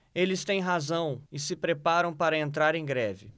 eles têm razão e se preparam para entrar em greve